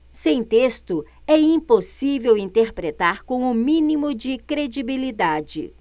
sem texto é impossível interpretar com o mínimo de credibilidade